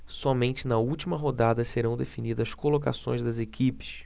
somente na última rodada serão definidas as colocações das equipes